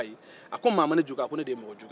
a ko maa ma ne jogin ne de ye maa jogin